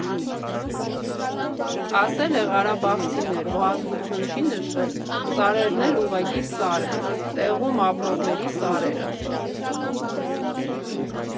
Ասել է «Ղարաբաղցիներ», հո ազգություն չի նշել, սարերն էլ ուղղակի սար են՝ տեղում ապրողների սարերը։